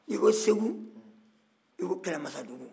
n'i ko segu i ko kɛlɛmasadugu